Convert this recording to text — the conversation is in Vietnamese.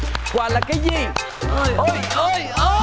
qùa là cái gì ôi ôi ôi ôi